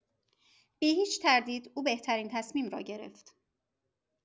بی‌هیچ تردید، او بهترین تصمیم را گرفت.